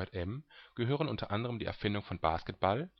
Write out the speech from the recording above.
CVJM gehören unter anderem die Erfindung von Basketball